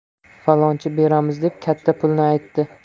faloncha beramiz deb katta pulni aytdi